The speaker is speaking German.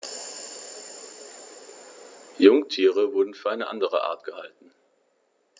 Jungtiere wurden für eine andere Art gehalten.